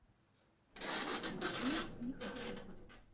мультфильм нехочуха